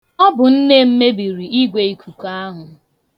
Ọ bu nne m mebiri igweikuku ahụ.